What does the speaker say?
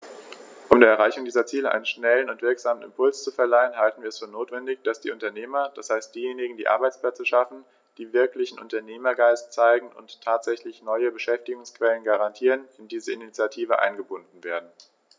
Um der Erreichung dieser Ziele einen schnellen und wirksamen Impuls zu verleihen, halten wir es für notwendig, dass die Unternehmer, das heißt diejenigen, die Arbeitsplätze schaffen, die wirklichen Unternehmergeist zeigen und tatsächlich neue Beschäftigungsquellen garantieren, in diese Initiative eingebunden werden.